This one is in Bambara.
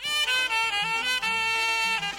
San